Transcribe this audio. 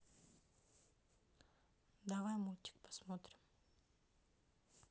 давай мультик посмотрим